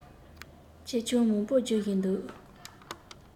ཆེ ཆུང མང པོ རྒྱུ བཞིན འདུག